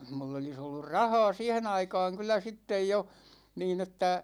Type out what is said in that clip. minulla olisi ollut rahaa siihen aikaan kyllä sitten jo niin että